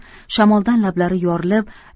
shamoldan lablari yorilib